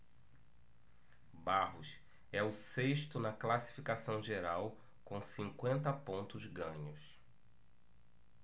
barros é o sexto na classificação geral com cinquenta pontos ganhos